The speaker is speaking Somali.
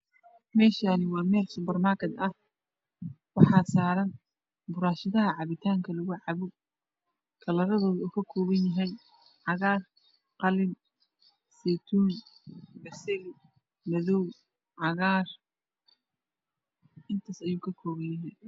Mashan waa mel super Margaret waxaa yalo burashd bolug iyo cagar iyo beseli iyo fiyol